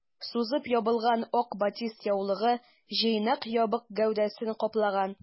Сузып ябылган ак батист яулыгы җыйнак ябык гәүдәсен каплаган.